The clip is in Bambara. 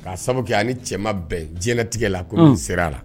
K'a sababu kɛ ani cɛ ma bɛn diɲɛlatigɛ la, ɔnhɔn, k'o de sera a ma.